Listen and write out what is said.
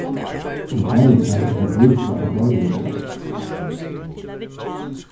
er baðikar ella brúsa á baðirúminum